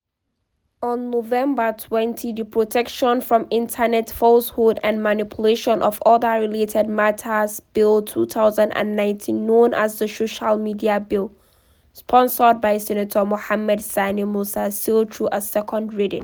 On November 20, the Protection from Internet Falsehoods and Manipulation of other Related Matters Bill 2019, known as the "social media bill", sponsored by Senator Mohammed Sani Musa, sailed through a second reading.